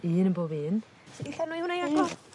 Un yn bob un. Ti rhoi hwnna i agor?